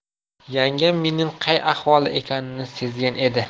yangam mening qay ahvolda ekanimni sezgan edi